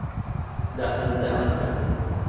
lat vindeygað aftur